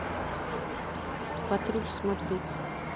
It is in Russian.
патруль смотреть